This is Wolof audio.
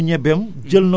dindi na ñebeem